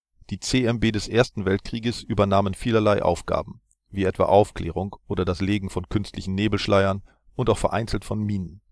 Die CMB des Ersten Weltkrieges übernahmen vielerlei Aufgaben, wie etwa Aufklärung oder das Legen von künstlichen Nebelschleiern und auch vereinzelt von Minen